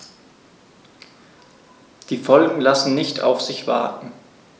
Die Folgen lassen nicht auf sich warten.